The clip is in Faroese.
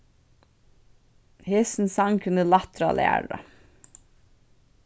hesin sangurin er lættur at læra